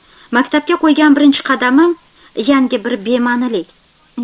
maktabga qo'ygan birinchi qadamim yangi bir bema'nilik